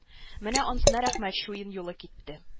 Менә анысына рәхмәт чуен юлы китте